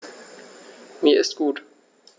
Mir ist gut.